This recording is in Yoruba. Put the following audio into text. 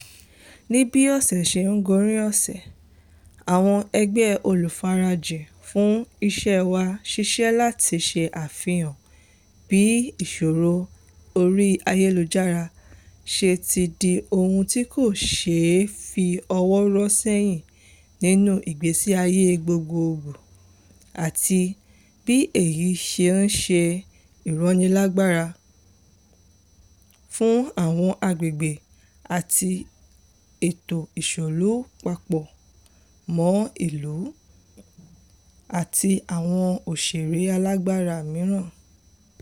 Ní bí ọ̀sẹ̀ ṣe ń gorí ọ̀sẹ̀, àwọn ẹgbẹ́ olùfarajìn fún iṣẹ́ wa ṣiṣẹ́ láti ṣe àfihàn bí ìṣòro orí ayélujára ṣe ti di ohun tí kò ṣeé fi ọwọ́ rọ́ sẹ́yìn nínú ìgbésí ayé gbogbogbò àti bí èyí ṣe ń ṣe ìrónilágbara fún àwọn àgbègbè àti ètò òṣèlú papọ̀ mọ́ ìlú àti àwọn ọ̀ṣèré alágbára mìíràn.